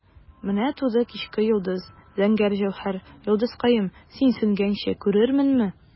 Менә туды кичке йолдыз, зәңгәр җәүһәр, йолдызкаем, син сүнгәнче күрерменме?